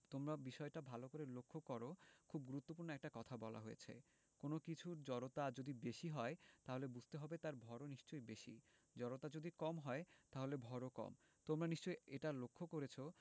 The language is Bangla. তোমরা বিষয়টা ভালো করে লক্ষ করো খুব গুরুত্বপূর্ণ একটা কথা বলা হয়েছে কোনো কিছুর জড়তা যদি বেশি হয় তাহলে বুঝতে হবে তার ভরও নিশ্চয়ই বেশি জড়তা যদি কম হয় তাহলে ভরও কম তোমরা নিশ্চয়ই এটা লক্ষ করেছ